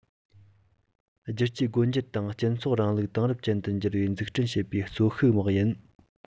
བསྒྱུར བཅོས སྒོ འབྱེད དང སྤྱི ཚོགས རིང ལུགས དེང རབས ཅན དུ འགྱུར བའི འཛུགས སྐྲུན བྱེད པའི གཙོ ཤུགས དམག ཡིན